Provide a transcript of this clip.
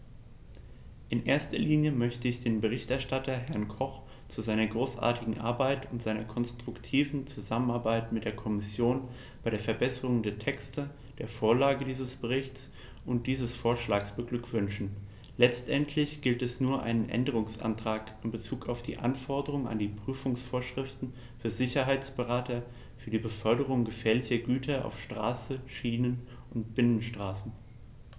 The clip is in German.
In erster Linie möchte ich den Berichterstatter, Herrn Koch, zu seiner großartigen Arbeit und seiner konstruktiven Zusammenarbeit mit der Kommission bei der Verbesserung der Texte, der Vorlage dieses Berichts und dieses Vorschlags beglückwünschen; letztendlich gibt es nur einen Änderungsantrag in bezug auf die Anforderungen an die Prüfungsvorschriften für Sicherheitsberater für die Beförderung gefährlicher Güter auf Straße, Schiene oder Binnenwasserstraßen.